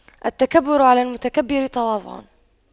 التكبر على المتكبر تواضع